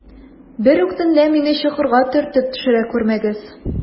Берүк төнлә мине чокырга төртеп төшерә күрмәгез.